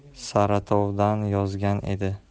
ham saratovdan yozgan edi